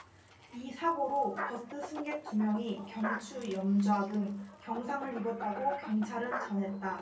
이 사고로 버스 승객 두 명이 경추염좌 등 경상을 입었다고 경찰은 전했다